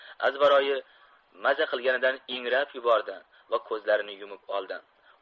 azbaroyi maza qilganidan ingrab yubordi va ko'zlarini yumib oldi